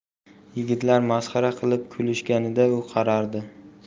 yigitlar masxara qilib kulishganida u qaradi